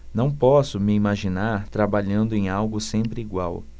não posso me imaginar trabalhando em algo sempre igual